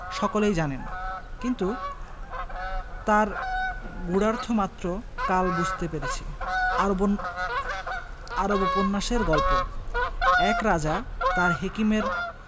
সকলেই জানেন কিন্তু তার গূঢ়ার্থ মাত্র কাল বুঝতে পেরেছি আরব্যোপন্যাসের গল্প এক রাজা তাঁর হেকিমের